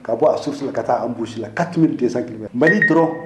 Ka bɔ a su la ka taa an gosi la ka dɛsɛsa g mali dɔrɔn